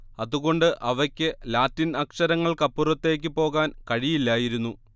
അതുകൊണ്ട് അവയ്ക്ക് ലാറ്റിൻ അക്ഷരങ്ങൾക്കപ്പുറത്തേയ്ക്ക് പോകാൻ കഴിയില്ലായിരുന്നു